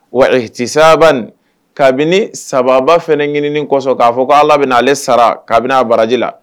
Wa saba kabini sababa fana ɲinininin kɔsɔ k'a fɔ ko ala bɛ ale sara kabini bɛna a baraji la